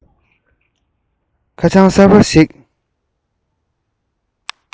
ཁ བྱང གསར པ ཞིག